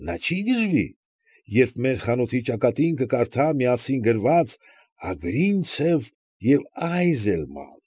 Նա չի՞ գժվի, երբ մեր խանութի ճակատին կկարդա միասին գրված «Ագրինցև և Այզելման»։